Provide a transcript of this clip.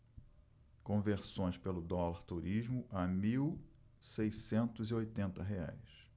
conversões pelo dólar turismo a mil seiscentos e oitenta reais